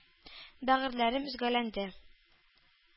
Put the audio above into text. Бәгырьләрем өзгәләнде,